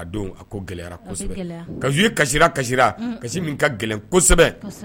Kasi kasi gɛlɛn